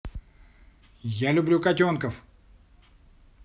я люблю котенков